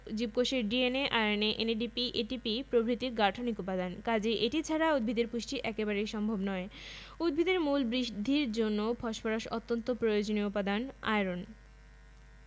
২ micronutrient বা মাইক্রোউপাদান উদ্ভিদের স্বাভাবিক বৃদ্ধির জন্য যেসব উপাদান অত্যন্ত সামান্য পরিমাণে প্রয়োজন হয় তাদেরকে মাইক্রোনিউট্রিয়েন্ট বা মাইক্রোউপাদান বলে মাইক্রোনিউট্রিয়েন্ট ৬টি যথা দস্তা বা জিংক